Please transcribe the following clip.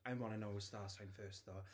I wanna know his starsign first though.